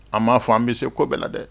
An b'a fɔ an bɛ se ko bɛɛ la dɛ